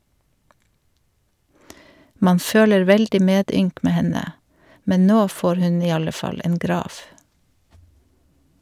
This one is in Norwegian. Man føler veldig medynk med henne, men nå får hun i alle fall en grav.